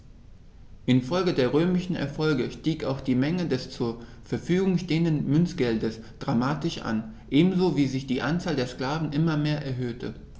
Infolge der römischen Erfolge stieg auch die Menge des zur Verfügung stehenden Münzgeldes dramatisch an, ebenso wie sich die Anzahl der Sklaven immer mehr erhöhte.